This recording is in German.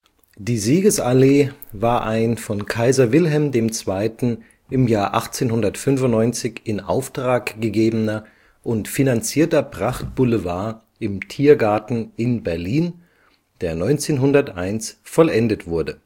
Die Siegesallee war ein von Kaiser Wilhelm II. 1895 in Auftrag gegebener und finanzierter Prachtboulevard im Tiergarten in Berlin, der 1901 vollendet wurde